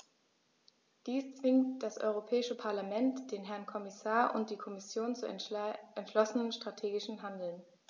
Dies zwingt das Europäische Parlament, den Herrn Kommissar und die Kommission zu entschlossenem strategischen Handeln.